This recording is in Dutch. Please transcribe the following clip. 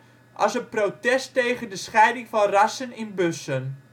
als een protest tegen de scheiding van rassen in bussen